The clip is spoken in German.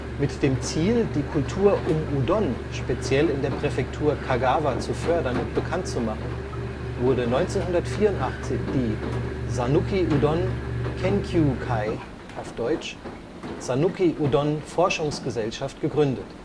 Mit dem Ziel, die Kultur um Udon speziell in der Präfektur Kagawa zu fördern und bekannt zu machen, wurde 1984 die Sanuki Udon Kenkyūkai (さぬきうどん研究会, deutsch: „ Sanuki-Udon-Forschungsgesellschaft “) gegründet